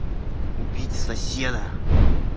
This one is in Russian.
убить соседа